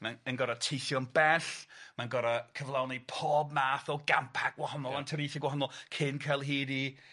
mae'n mae'n gor'o' teithio'n bell mae'n gor'o' cyflawni pob math o gampa gwahanol anturiaethe gwahanol cyn ca'l hyd i